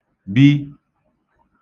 bi